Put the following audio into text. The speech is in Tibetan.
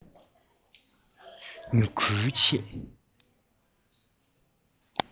མྱུ གུའི ཆེད